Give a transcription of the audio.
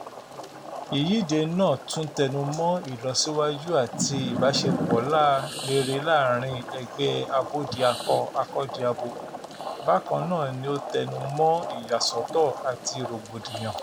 Ìyíde náà tún tẹnu mọ́ ìlọsíwájú àti ìbáṣepọ̀ rere láàárín ẹgbẹ́ abódiakọ-akọ́diabo; bákan náà ni ó tẹnu mọ́ ìyàsọ́tọ̀ àti rògbòdìyàn.